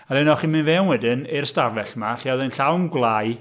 Wedyn o'ch chi'n mynd fewn wedyn, i'r stafell 'ma, lle oedd hi'n llawn gwelyau.